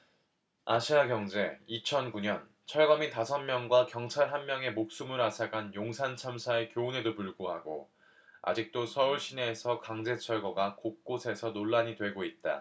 아시아경제 이천 구 년 철거민 다섯 명과 경찰 한 명의 목숨을 앗아간 용산참사의 교훈에도 불구하고 아직도 서울 시내에서 강제철거가 곳곳에서 논란이 되고 있다